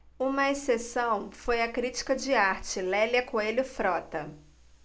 uma exceção foi a crítica de arte lélia coelho frota